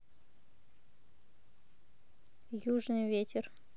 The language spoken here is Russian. южный ветер